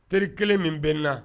Teri kelen min bɛ n na